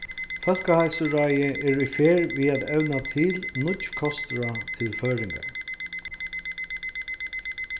fólkaheilsuráðið er í ferð við at evna til nýggj kostráð til føroyingar